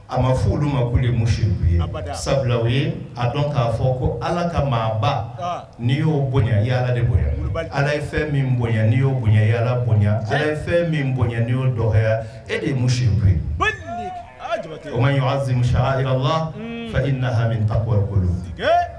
A ma fo olu ma' mu ye sabula u ye a dɔn ka fɔ ko ala ka maaba n'i y'o bonya yalala de bonya ala ye fɛn min bonya n'i y' bonya yalala bonya ala ye fɛn min bonya ni y'o dɔgɔya e de ye muku ye o ma ɲɔgɔn zmu ka i nahami takɔ ko